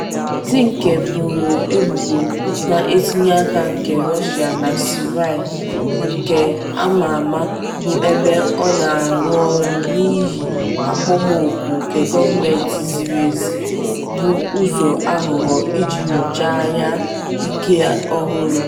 Zinke boro ebubo na itinye aka nke Russia na Syria - nke ama ama, bụ ebe ọ na-arụ ọrụ n’ihi akpọmoku nke gọọmentị ziri ezi - bụ ụzọ aghụghọ iji nyochaa ahịa ike ọhụrụ.